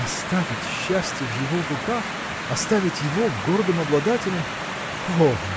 – Оставить счастье в его руках, оставить его гордым обладателем. о!